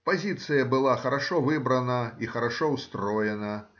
Позиция была хорошо выбрана и хорошо устроена